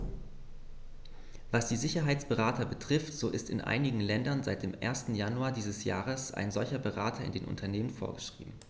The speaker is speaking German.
Was die Sicherheitsberater betrifft, so ist in einigen Ländern seit dem 1. Januar dieses Jahres ein solcher Berater in den Unternehmen vorgeschrieben.